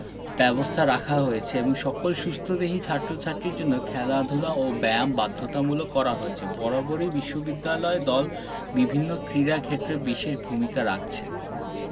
ব্যবস্থা রাখা হয়েছে এবং সকল সুস্থদেহী ছাত্র ছাত্রীর জন্য খেলাধুলা ও ব্যায়াম বাধ্যতামূলক করা হয়েছে বরাবরই বিশ্ববিদ্যালয় দল বিভিন্ন ক্রীড়াক্ষেত্রে বিশেষ ভূমিকা রাখছে